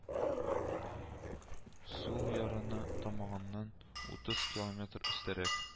Сул ярына тамагыннан утыз километр өстәрәк